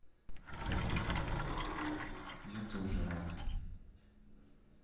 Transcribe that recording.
я тоже рада